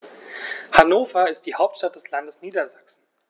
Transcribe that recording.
Hannover ist die Hauptstadt des Landes Niedersachsen.